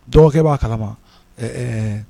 Dɔgɔkɛ b'a kalama, ɛ ɛɛ